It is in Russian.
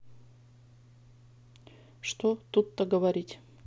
что тут то говорить